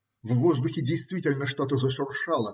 В воздухе действительно что-то зашуршало.